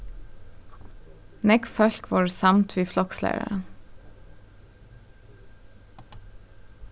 nógv fólk vóru samd við flokslæraran